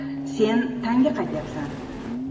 sen tangga qaytyapsan